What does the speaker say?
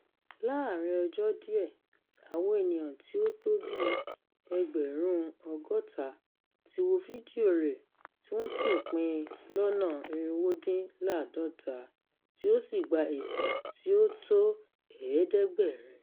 Láàárín ọjọ́ díẹ̀, àwọn ènìyàn tí ó tó bíi ẹgbẹ̀rún 60 ti wo fídíò rẹ̀, tí wọ́n sì pín in lọ́nà 350, tí ó sì gba èsì tí ó tó 700.